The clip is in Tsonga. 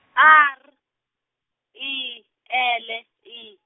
A R I L I.